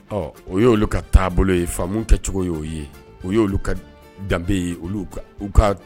Ɔ o y ye olu ka taabolo ye faamu kɛcogo ye' o ye o y' olu ka danbebe ye olu ka